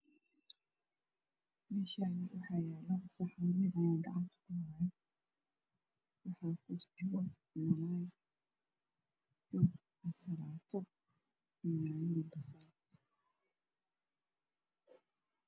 Meshani waxa yaalo saxan nin ayaa gacanta ku haayo waxaa ku oos jiro malaay bur ansalaato iyo yaanyo iyo basal